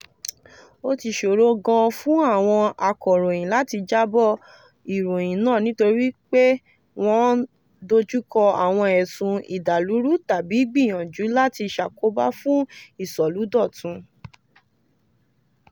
Ó ti ṣòro gan-an fún àwọn akọ̀ròyìn láti jábọ̀ ìròyìn náà, nítorípé wọ́n ń dojúkọ àwọn ẹ̀sùn "ìdàlúrú" tàbí "gbìyànjú láti ṣàkóbá fún ìsọ̀lúdọ̀tun".